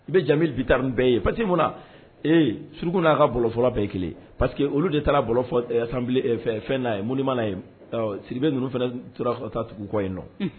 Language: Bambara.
I bɛ jamu bi taa bɛɛ ye pa que mun na suruku n'a ka bɔfɔlɔ bɛɛ kelen paseke que olu de taara fɛn'a ye mun mana ye siri bɛ ninnu fana torata tugu kɔ yen nɔ